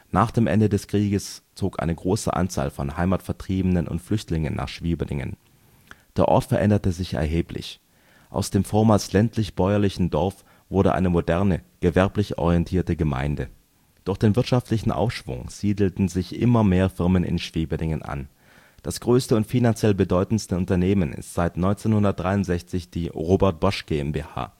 Nach dem Ende des Krieges zog eine große Anzahl von Heimatvertriebenen und Flüchtlingen nach Schwieberdingen. Der Ort veränderte sich erheblich. Aus dem vormals ländlich-bäuerlichen Dorf wurde eine moderne, gewerblich orientierte Gemeinde. Durch den wirtschaftlichen Aufschwung, siedelten sich immer mehr Firmen in Schwieberdingen an. Das größte und finanziell bedeutendste Unternehmen ist seit 1963 die Robert Bosch GmbH